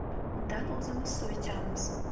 undan o'zimiz suv ichamiz